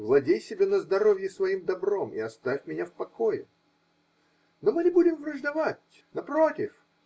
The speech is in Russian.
владей себе на здоровье своим добром и оставь меня в покое. -- Но мы не будем враждовать! Напротив!